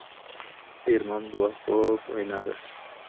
ermon buva xo'p o'ynadi